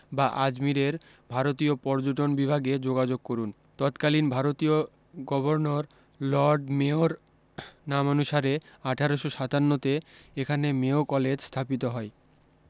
বা আজমীরের ভারতীয় পর্যটন বিভাগে যোগাযোগ করুণ ততকালীন ভারতীয় গভর্ন লর্ড মেয়র নামানুসারে আঠারোশ সাতান্নতে এখানে মেয়ো কলেজ স্থাপিত হয়